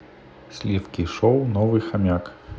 сливки шоу новый хомяк